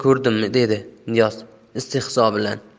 ko'rdim dedi niyoz istehzo bilan